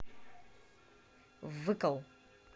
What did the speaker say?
выкл